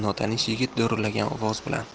notanish yigit do'rillagan ovoz bilan